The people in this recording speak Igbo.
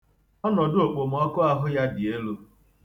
Ọnọ̀dụòkpòmọkụ ahụ ya dị elu.